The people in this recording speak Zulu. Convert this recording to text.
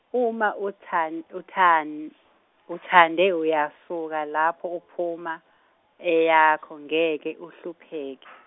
uma uthan- uthan- uthande uyasuka lapho uphuma, eyakho ngeke uhlupheke.